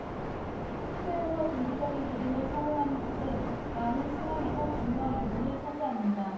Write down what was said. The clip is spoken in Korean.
숭배에서 종교적인 그림을 사용하는 것은 많은 신앙에서 중요한 부분을 차지합니다